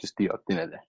jyst dio di hynna de?